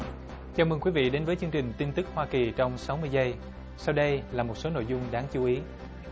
chào mừng quý vị đến với chương trình tin tức hoa kỳ trong sáu mươi giây sau đây là một số nội dung đáng chú ý